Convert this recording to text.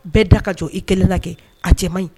Bɛɛ da ka jɔ i kelen na kɛ a cɛ man ɲi